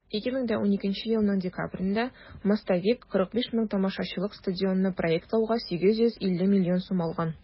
2012 елның декабрендә "мостовик" 45 мең тамашачылык стадионны проектлауга 850 миллион сум алган.